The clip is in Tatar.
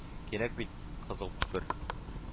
—кирәк бит, кызыл күпер…”